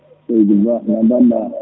seydi Ba no mbaɗɗa